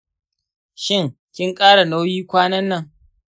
shin, kin ƙara nauyi kwanan nan?